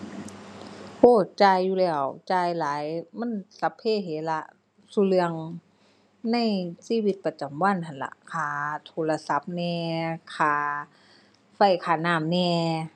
โอ้ จ่ายอยู่แล้ว จ่ายหลาย มันสัพเพเหระ ซุเรื่องในชีวิตประจำวันหั้นล่ะ ค่าโทรศัพท์แหน่ ค่าไฟค่าน้ำแหน่